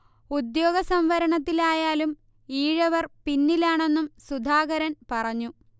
ഉദ്യോഗ സംവരണത്തിലായാലും ഈഴവർ പിന്നിലാണെന്നും സുധാകരൻ പറഞ്ഞു